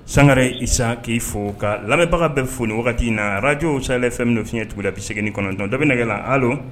Sanga isa k'i fɔ ka labanbaga bɛ fo wagati na arajo sa fɛn min fiɲɛɲɛ cogo la bise kɔnɔntɔn da bɛgɛ hali don